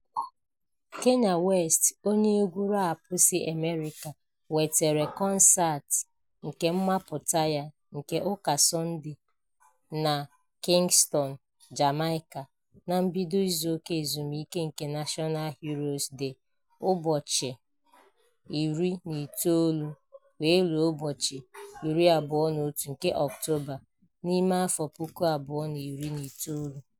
Kanye West, onye egwu raapụ si America wetere kọnsaatị kemmapụta ya nke "Ụka Sọnde" na Kingston, Jamaica, na mbido izu ụka ezumike nke National Heroes Day (ụbọchị 19-21 nke Ọktoba, 2019).